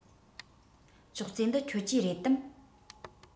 ཅོག ཙེ འདི ཁྱོད ཀྱི རེད དམ